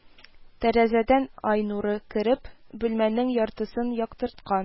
Тәрәзәдән ай нуры кереп, бүлмәнең яртысын яктырткан